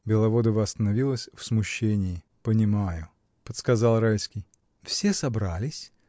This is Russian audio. Беловодова остановилась в смущении. — Понимаю! — подсказал Райский. — Все собрались